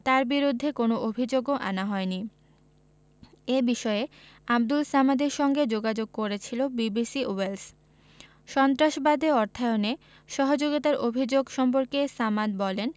তাঁর বিরুদ্ধে কোনো অভিযোগও আনা হয়নি এ বিষয়ে আবদুল সামাদের সঙ্গে যোগাযোগ করেছিল বিবিসি ওয়েলস সন্ত্রাসবাদে অর্থায়নে সহযোগিতার অভিযোগ সম্পর্কে সামাদ বলেন